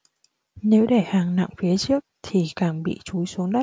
nếu để hàng nặng phía trước thì càng bị chúi xuống đất